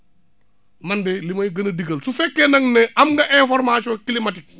man de li may gën a digal su fekkee ne am nga information climatique